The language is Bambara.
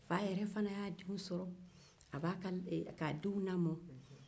fa yɛrɛ fana y'a denw lamɔ